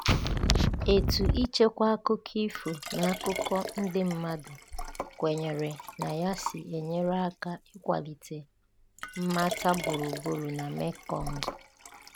Etu ichekwa akụkọ ifo na akụkọ ndị mmadụ kwenyere na ya si enyere aka ịkwalite mmata gburugburu na Mekong